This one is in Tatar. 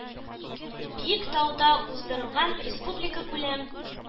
Биектауда уздырылган республикакүләм